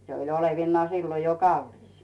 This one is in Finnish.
se oli olevinaan silloin jo kallis